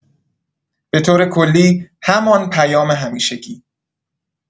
به‌طور کلی، همان پیام همیشگی